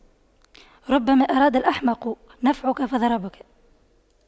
ربما أراد الأحمق نفعك فضرك